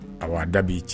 A waa da b'i ci